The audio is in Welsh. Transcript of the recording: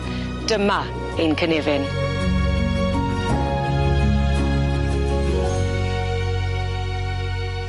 Dyma ein cynefin.